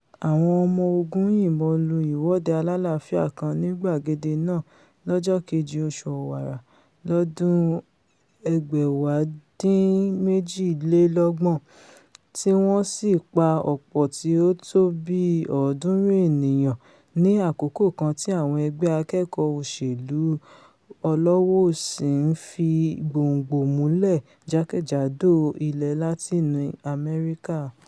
Àwọn ọmọ ogun yìnbọn lu ìwọ́de alálàáfíà kan ni gbàgede náà lọ́jọ́ kejì oṣù Ọ̀wàrà, lọ́dún 1968, tíwọ́n sì pa ọ̀pọ̀ tí ó tó bíi ọ̀ọ́dúrun ènìyàn ní àkókò kan tí àwọn ẹgbẹ́ àkẹ́kọ̀ọ́ òṣèlú ọlọ́wọ́-òsì ńfi gbòǹgbò múlẹ̀ jákè-jádò ilẹ̀ Látìnì Amẹ́ríkà.